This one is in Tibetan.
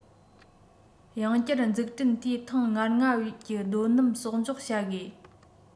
ཡང བསྐྱར འཛུགས སྐྲུན དུས ཐེངས ༥༥ པའི ཀྱི རྡོ སྣུམ གསོག འཇོག བྱ དགོས